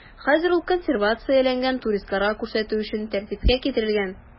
Хәзер ул консервацияләнгән, туристларга күрсәтү өчен тәртипкә китерелгән.